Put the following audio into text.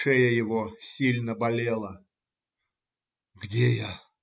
шея его сильно болела. "Где я?